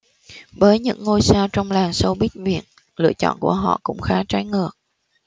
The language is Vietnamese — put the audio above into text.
với những ngôi sao trong làng showbiz việt lựa chọn của họ cũng khá trái ngược